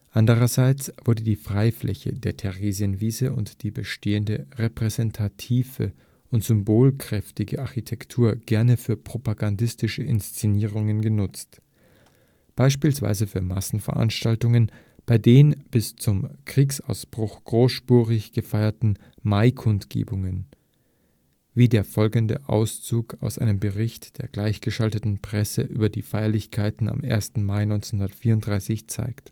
Andererseits wurde die Freifläche der Theresienwiese und die bestehende repräsentative und symbolkräftige Architektur gerne für propagandistische Inszenierungen genutzt, beispielsweise für Massenveranstaltungen bei den bis zum Kriegsausbruch großspurig gefeierten Maikundgebungen, wie der folgende Auszug aus einem Bericht der gleichgeschalteten Presse über die Feierlichkeiten am 1. Mai 1934 zeigt